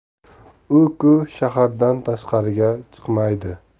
u ku shahardan tashqariga chiqmaydi